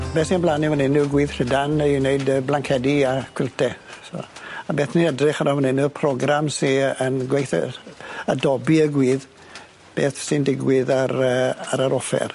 Beth sy' on blan ni fan 'yn yw'r gwydd trydan yy i wneud y blancedi a cwilte so a beth ni'n edrych arno fan 'yn yw'r program sy yn gweitho'r adobe y gwydd beth sy'n digwydd ar yy ar yr offer.